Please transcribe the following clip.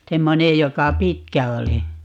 semmoinen joka pitkä oli